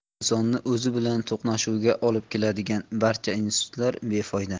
insonni o'zi bilan to'qnashuvga olib keladigan barcha institutlar befoyda